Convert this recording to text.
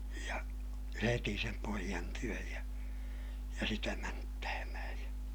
ja heti sen pojan tykö ja ja sitä mänttäämään ja